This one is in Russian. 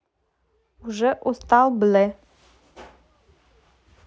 уже устал бле